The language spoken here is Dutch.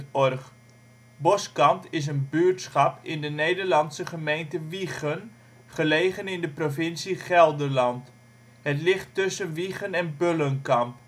OL Boskant is een buurtschap in de Nederlandse gemeente Wijchen, gelegen in de provincie Gelderland. Het ligt tussen Wijchen en Bullenkamp